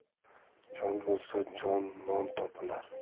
jon bo'lsa jonon topilar